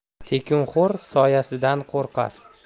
tekinxo'r soyasidan qo'rqar